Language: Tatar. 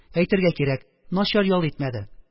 Әйтергә кирәк, начар ял итмәде.